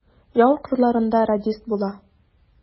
Яу кырларында радист була.